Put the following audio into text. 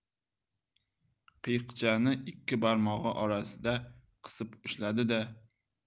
qiyiqchani ikki barmog'i orasida qisib ushladi da